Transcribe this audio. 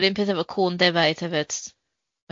'R un peth efo cŵn defaid hefyd.